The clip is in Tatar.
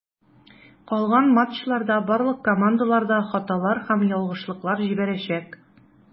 Калган матчларда барлык командалар да хаталар һәм ялгышлыклар җибәрәчәк.